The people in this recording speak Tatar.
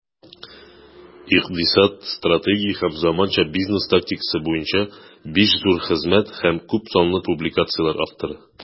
Икътисад, стратегия һәм заманча бизнес тактикасы буенча 5 зур хезмәт һәм күпсанлы публикацияләр авторы.